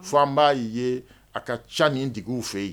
Fo an b'a' ye a ka ca ni d fɛ yen